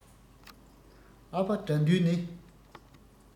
ཨ ཕ དགྲ འདུལ ནི